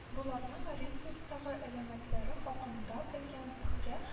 Булатның Оренбургтагы элемәтләре хакында белгән Зөһрә